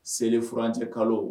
Selifuranc ɛ kalo